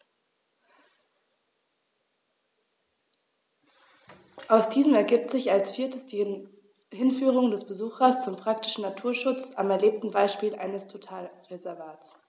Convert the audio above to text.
Aus diesen ergibt sich als viertes die Hinführung des Besuchers zum praktischen Naturschutz am erlebten Beispiel eines Totalreservats.